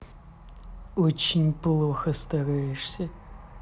очень плохо стараешься